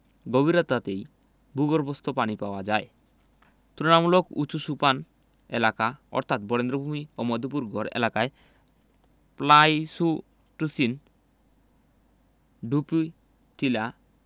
গভীরতাতেই ভূগর্ভস্থ পানি পাওয়া যায় তুলনামূলক উঁচু সোপান এলাকা অর্থাৎ বরেন্দ্রভূমি ও মধুপুরগড় এলাকায় প্লাইসটোসিন ডুপি টিলা